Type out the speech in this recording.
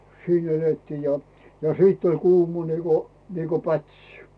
siinä elettiin ja ja sitten oli kuuma niin kuin niin kuin pätsi